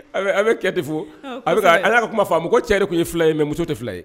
A bɛ cɛ de fo a bɛ ala ka kuma faama ma ko cɛri tun ye fila ye mɛ muso tɛ fila ye